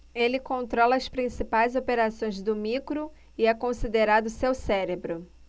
ele controla as principais operações do micro e é considerado seu cérebro